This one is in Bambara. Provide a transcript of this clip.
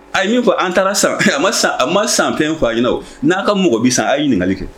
A ye fɔ an taara san a ma san fɛn fa a ɲɛna n'a ka mɔgɔ bɛ san a ye ɲininkali kɛ